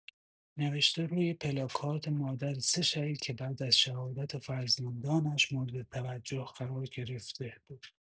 نوشته روی پلاکارد مادر سه شهید که بعد از شهادت فرزندانش مورد توجه قرار گرفته بود.